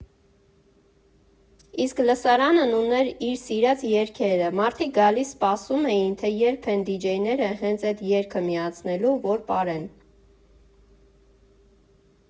Իսկ լսարանն ուներ իր սիրած երգերը, մարդիկ գալիս սպասում էին, թե երբ են դիջեյները հենց էդ երգը միացնելու, որ պարեն։